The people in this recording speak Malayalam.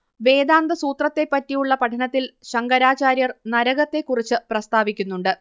വേദാന്തസൂത്രത്തെപ്പറ്റിയുള്ള പഠനത്തിൽ ശങ്കരാചാര്യർ നരകത്തെക്കുറിച്ച് പ്രസ്താവിക്കുന്നുണ്ട്